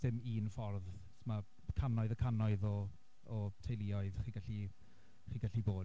Dim un ffordd, ma' cannoedd a cannoedd o o teuluoedd chi chi'n gallu bod.